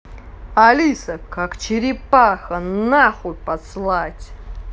алиса как черепа нахуй послать